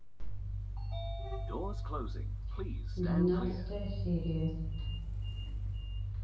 двенадцатая серия